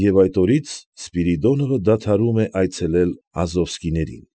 Եվ այդ օրից Սպիրիդոնովը դադարում է այցելել Ազովսկիներին։